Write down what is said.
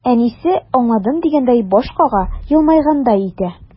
Әнисе, аңладым дигәндәй баш кага, елмайгандай итә.